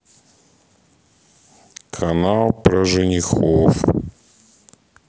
канал про женихов